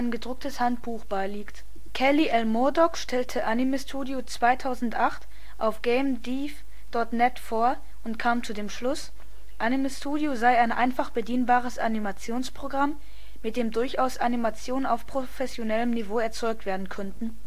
gedrucktes Handbuch beiliegt. “Kelly L. Murdock stellte Anime Studio 2008 auf gamedev.net vor und kam zu dem Schluss, Anime Studio sei ein einfach bedienbares Animations-Programm, mit dem durchaus Animationen auf professionellem Niveau erzeugt werden könnten